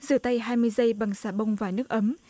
rửa tay hai mươi giây bằng xà bông và nước ấm